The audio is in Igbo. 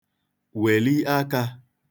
wèli akā